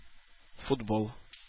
Футбол